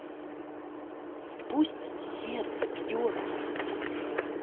пусть сердце бьется